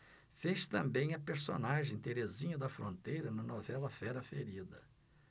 fez também a personagem terezinha da fronteira na novela fera ferida